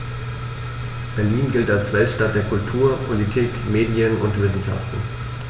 Berlin gilt als Weltstadt der Kultur, Politik, Medien und Wissenschaften.